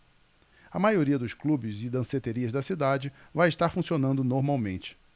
a maioria dos clubes e danceterias da cidade vai estar funcionando normalmente